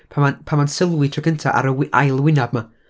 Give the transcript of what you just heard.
Pan ma'n, pan ma'n sylwi tro cynta, ar y wy- ail wyneb 'ma.